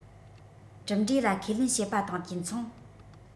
གྲུབ འབྲས ལ ཁས ལེན བྱེད པ དང དུས མཚུངས